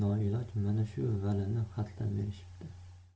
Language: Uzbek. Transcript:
valini xatlab berishibdi